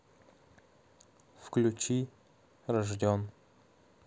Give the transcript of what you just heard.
включи рожден